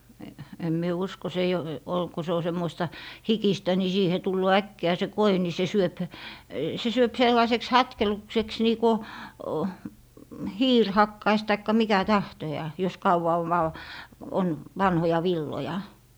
en minä usko se ei - ole kun se on semmoista hikistä niin siihen tulee äkkiä se koi niin se syö se syö sellaiseksi hatkelukseksi niin kun hiiri hakkaisi tai mikä tahtojaan jos kauan on - on vanhoja villoja